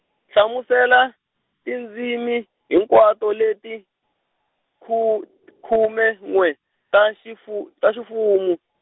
hlamusela, tindzimi, hinkwato leta, khu- khume n'we, ta xifu- ta ximfumo.